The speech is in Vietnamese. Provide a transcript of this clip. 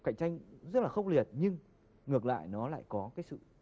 cạnh tranh rất là khốc liệt nhưng ngược lại nó lại có cái sự